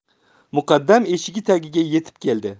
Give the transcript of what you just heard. muqaddam eshigi tagiga yetib keldi